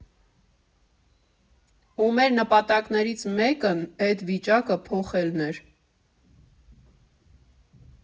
Ու մեր նպատակներից մեկն էդ վիճակը փոխելն էր։